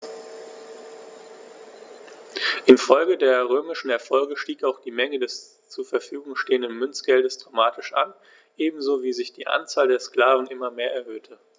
Infolge der römischen Erfolge stieg auch die Menge des zur Verfügung stehenden Münzgeldes dramatisch an, ebenso wie sich die Anzahl der Sklaven immer mehr erhöhte.